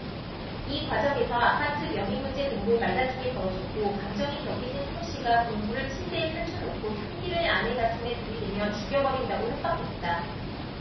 이 과정에서 아파트 명의 문제 등으로 말다툼이 벌어졌고 감정이 격해진 송씨가 공구를 침대에 펼쳐놓고 흉기를 아내 가슴에 들이대며 죽여버린다고 협박했다